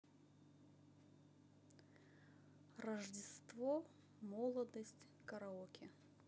рождество молодость караоке